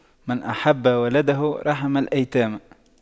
من أحب ولده رحم الأيتام